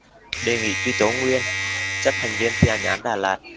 đề nghị truy tố nguyên chấp hành viên thi hành án đà lạt